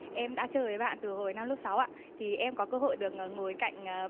em đã chơi với bạn từ hồi năm lớp sáu ạ thì em có cơ hội được ngồi cạnh